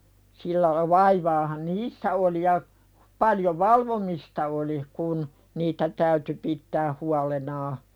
sillä - vaivaahan niissä oli ja paljon valvomista oli kun niitä täytyi pitää huolenaan